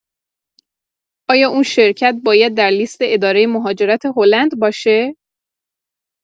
آیا اون شرکت باید در لیست اداره مهاجرت هلند باشه؟